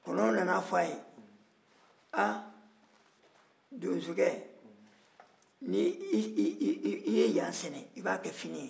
kɔnɔw nana fɔ a ye a donsokɛ n'i ye yan sɛnɛ i b'a kɛ fini ye